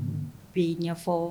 Bɛ ɲɛfɔ